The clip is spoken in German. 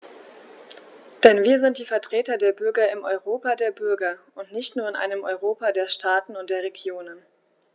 Denn wir sind die Vertreter der Bürger im Europa der Bürger und nicht nur in einem Europa der Staaten und der Regionen.